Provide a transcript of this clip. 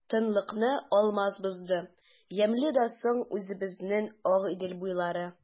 Тынлыкны Алмаз бозды:— Ямьле дә соң үзебезнең Агыйдел буйлары!